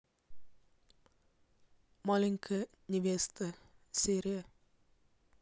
маленькая невеста серия